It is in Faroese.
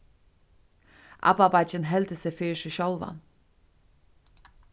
abbabeiggin heldur seg fyri seg sjálvan